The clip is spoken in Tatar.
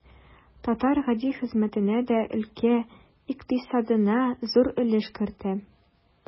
Татар гади хезмәттә дә өлкә икътисадына зур өлеш кертә.